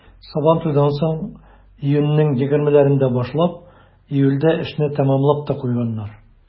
Сабантуйдан соң, июньнең егермеләрендә башлап, июльдә эшне тәмамлап та куйганнар.